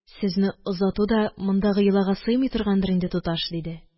Сезне озату да мондагы йолага сыймый торгандыр инде, туташ? – диде